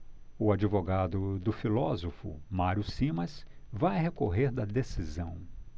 o advogado do filósofo mário simas vai recorrer da decisão